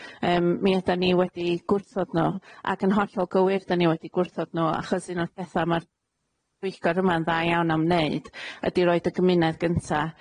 yym mi ydan ni wedi gwrthod nw, ac yn hollol gywir 'dan ni wedi gwrthod nw achos un o'r petha ma'r pwyllgor yma'n dda iawn am wneud ydi roid y gymuned gynta,